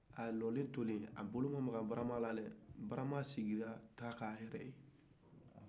k'a jɔlen tolen a ma maga barama la barama sigira tasuma kan a yɛrɛ ye